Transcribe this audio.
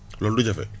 loolu du jafe